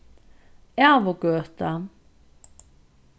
æðugøta